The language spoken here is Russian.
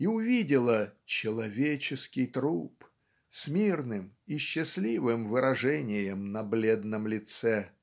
и увидело "человеческий труп с мирным и счастливым выражением на бледном лице".